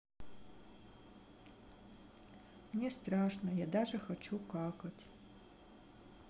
мне страшно я даже хочу какать